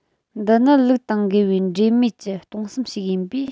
འདི ནི ལུགས དང འགལ བའི འབྲས མེད ཀྱི སྟོང བསམ ཞིག ཡིན པས